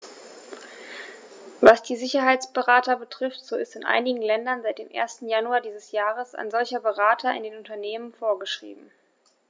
Was die Sicherheitsberater betrifft, so ist in einigen Ländern seit dem 1. Januar dieses Jahres ein solcher Berater in den Unternehmen vorgeschrieben.